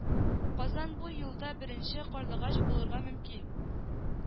Казан бу юлда беренче карлыгач булырга мөмкин